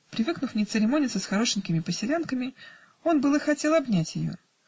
Привыкнув не церемониться с хорошенькими поселянками, он было хотел обнять ее